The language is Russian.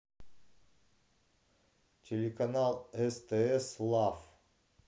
телеканал стс лав